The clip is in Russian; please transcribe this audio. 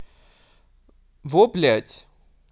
во блядь